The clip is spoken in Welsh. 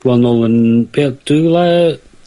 bron nôl yn be odd dwy fil a...